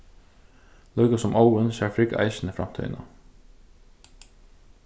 líka sum óðin sær frigg eisini framtíðina